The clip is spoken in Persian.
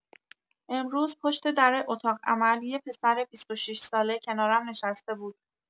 امروز پشت در اتاق عمل یه پسر ۲۶ ساله کنارم نشسته بود.